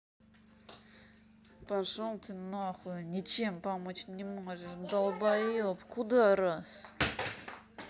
пошел ты нахуй ничем помочь не можешь долбаеб куда раз